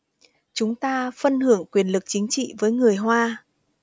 chúng ta phân hưởng quyền lực chính trị với người hoa